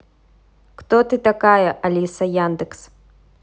кто ты такая алиса яндекс